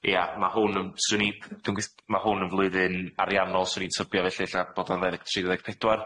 Ia ma' hwn yn swn i dwi'n gwis- ma' hwn yn flwyddyn ariannol swn i'n tybio felly ella bod o'n ddeg ddeg tri ddeg pedwar.